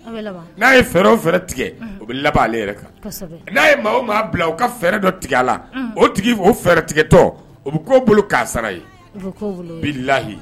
N'a ye fɛɛrɛ fɛ tigɛ bɛ laban ale yɛrɛ kan n'a ye maaw maa bila ka fɛɛrɛ dɔ tigɛ a la o tigiɛrɛ tigɛtɔ o bɛ k' bolo'a sara ye' layi